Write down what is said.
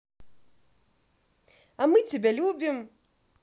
а мы тебя любим